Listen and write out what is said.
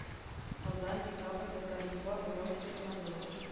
Казан декабрь татар-информ роза исмәгыйлова